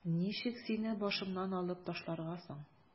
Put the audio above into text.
Ничек сине башымнан алып ташларга соң?